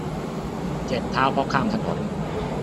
เจ็บเท้าเพราะข้ามถนน